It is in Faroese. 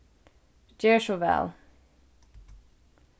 ger so væl